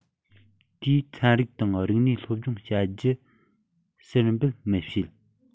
དེས ཚན རིག དང རིག གནས སློབ སྦྱོང བྱ རྒྱུ ཟུར འབུད མི བྱེད